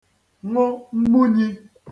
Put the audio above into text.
ṅụ mmunyī